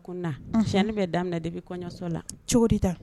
Fi bɛ daminɛ de bɛ kɔɲɔso la cogo de ta